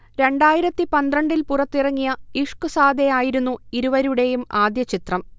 രണ്ടായിരത്തി പന്ത്രണ്ടിൽ പുറത്തിറങ്ങിയ ഇഷ്ഖ്സാദെ ആയിരുന്നു ഇരുവരുടെയും ആദ്യ ചിത്രം